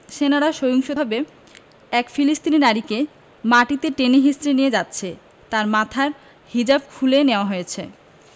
সেনারা সহিংসভাবে এক ফিলিস্তিনি নারীকে মাটিতে টেনে হেঁচড়ে নিয়ে যাচ্ছে তার মাথার হিজাব খুলে নেওয়া হয়েছে